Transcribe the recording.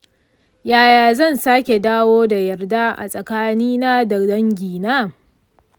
yaya zan sake dawo da yarda a tsakanina da dangina?